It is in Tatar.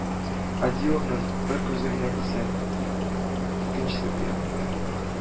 Адилов-ның бер күзе генә исән, икенчесе пыяла иде